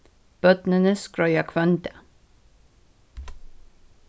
børnini skreiða hvønn dag